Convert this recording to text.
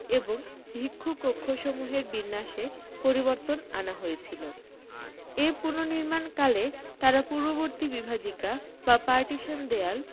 এবং ভিক্ষু কক্ষসমূহের বিন্যাসে পরিবর্তন আনা হয়েছিল এ পুনর্নির্মাণকালে তারা পূর্ববর্তী বিভাজিকা বা পার্টিশন দেয়াল